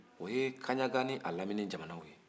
o ye kaɲaka ni a lamini jamanaw ye